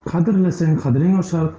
qadrlasang qadring oshar